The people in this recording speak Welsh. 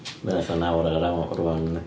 Ma' hynna fatha nawr ar yr awr wan yndi.